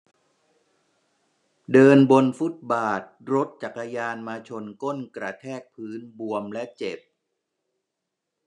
เดินบนฟุตบาทรถจักรยานมาชนก้นกระแทกพื้นบวมและเจ็บ